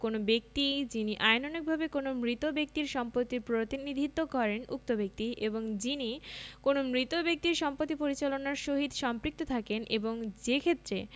কোন ব্যক্তি যিনি আইনানুগভাবে কোন মৃত ব্যক্তির সম্পত্তির প্রতিনিধিত্ব করেন উক্ত ব্যক্তি এবং যিনি কোন মৃত ব্যক্তির সম্পত্তি পরিচালনার সহিত সম্পৃক্ত থাকেন এবং যেক্ষেত্রে